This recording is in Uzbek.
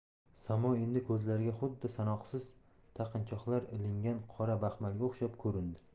samo endi ko'zlariga xuddi sanoqsiz taqinchoqlar ilingan qora baxmalga o'xshab ko'rindi